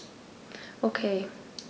Okay.